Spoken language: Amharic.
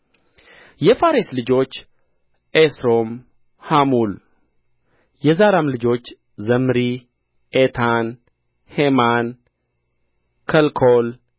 የፋሬስ ልጆች ኤስሮም ሐሙል የዛራም ልጆች ዘምሪ ኤታን ሄማን ከልኮል